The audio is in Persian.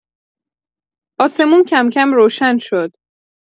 آسمون کم‌کم روشن شد.